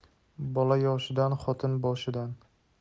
bola yoshidan xotin boshidan